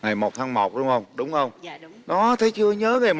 ngày một tháng một đúng hông đúng hông đó thấy chưa nhớ về